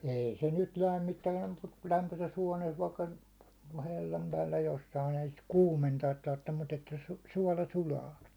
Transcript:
ei se nyt lämmittää mutta kun lämpöisessä huoneessa vaikka hellan päällä jossakin ei sitä kuumentaa tarvitse mutta että - suola sulaa